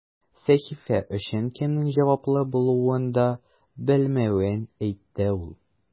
Сәхифә өчен кемнең җаваплы булуын да белмәвен әйтте ул.